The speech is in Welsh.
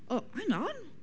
O, hang on!